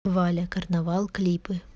валя карнавал клипы